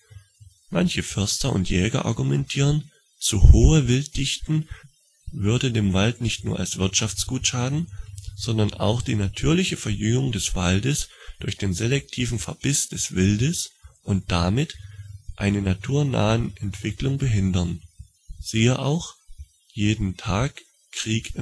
Manche Förster und Jäger argumentieren, zu hohe Wilddichten würde dem Wald nicht nur als Wirtschaftsgut schaden, sondern auch die natürliche Verjüngung des Waldes durch den selektiven Verbiss des Wildes, und damit eine naturnahen Entwicklung, behindern (siehe auch: " Jeden Tag Krieg